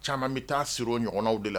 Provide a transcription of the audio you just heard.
Caaman bɛ taa siri o ɲɔgɔnw de la